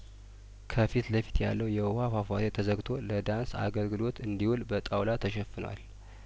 ከፊት ለፊት ያለው የውሀ ፏፏቴ ተዘግቶ ለዳንስ አገልግሎት እንዲውል በጣውላ ተሸፍኗል